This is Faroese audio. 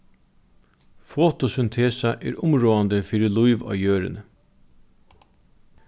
fotosyntesa er umráðandi fyri lív á jørðini